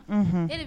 Unhun